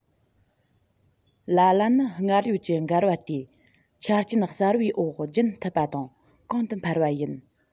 ལ ལ ནི སྔར ཡོད ཀྱི འགལ བ དེ ཆ རྐྱེན གསར པའི འོག རྒྱུན མཐུད པ དང གོང དུ འཕེལ བ ཡིན